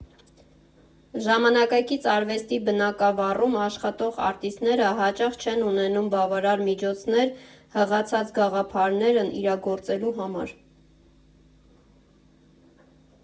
Ժամանակակից արվեստի բնագավառում աշխատող արտիստները հաճախ չեն ունենում բավարար միջոցներ հղացած գաղափարներն իրագործելու համար.